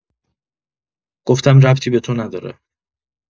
گفتم ربطی به تو نداره